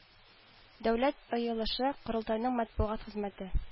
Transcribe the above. Дәүләт ыелышы-корылтайның матбугат хезмәте